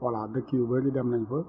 voilà dëkk yu bëri dem nañ fa